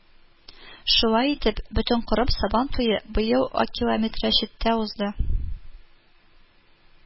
Шулай итеп Бөтенкырым Сабантуе быел Акилометрәчеттә узды